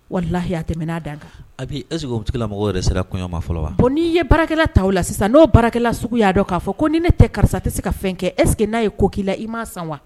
Walahiyatɛ'a dan kan a eseke ola mɔgɔw yɛrɛ sera kɔɲɔma fɔlɔ wa ko n'i ye baarakɛla ta la sisan n'o baarakɛlala sugu y'a dɔn k'a fɔ ko ni ne tɛ karisa tɛ se ka fɛn kɛ esseke n'a ye ko k'i la i ma san wa